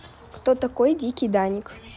кто такой дикий даник